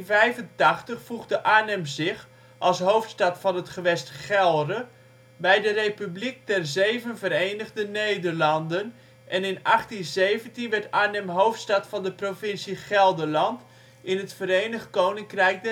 1585 voegde Arnhem zich, als hoofdstad van het gewest Gelre, bij de Republiek der Zeven Verenigde Nederlanden en in 1817 werd Arnhem hoofdstad van de provincie Gelderland in het Verenigd Koninkrijk